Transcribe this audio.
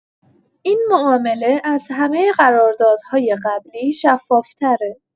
این معامله از همه قراردادهای قبلی شفاف‌تره.